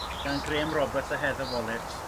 gan Graham Roberts a Heather Wallis